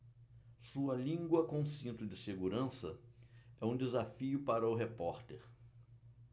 sua língua com cinto de segurança é um desafio para o repórter